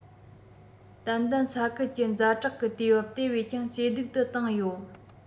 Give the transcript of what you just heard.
ཏན ཏན ས ཁུལ གྱི ཛ དྲག གི དུས བབ དེ བས ཀྱང ཇེ སྡུག ཏུ བཏང ཡོད